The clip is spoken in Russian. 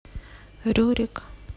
рюрик